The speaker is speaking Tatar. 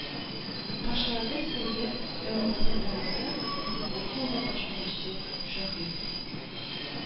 Башлады сәет янындагы тамада вазыйфасын да башкаручы шаһит